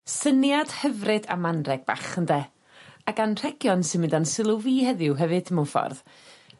Syniad hyfryd am anreg bach ynde? Ag anrhegion sy'n mynd a'n sylw fi heddiw hefyd mewn ffordd.